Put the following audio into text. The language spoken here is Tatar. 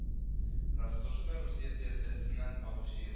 Россошка Русия территориясеннән агучы елга